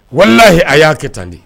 Walahi a y'a kɛ tandi